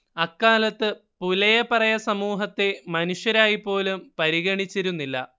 അക്കാലത്ത് പുലയപറയ സമൂഹത്തെ മനുഷ്യരായി പോലും പരിഗണിച്ചിരുന്നില്ല